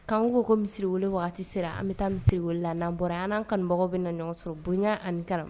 Kanan ko ko misiriw waati sera an bɛ taa misiw la n'an bɔra an anan kanbagaw bɛ na ɲɔgɔn sɔrɔ bonya ani kan